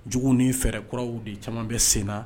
Jugu ni fɛɛrɛ kuraw de caman bɛ sen na